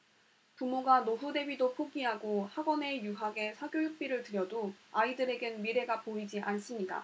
부모가 노후대비도 포기하고 학원에 유학에 사교육비를 들여도 아이들에겐 미래가 보이지 않습니다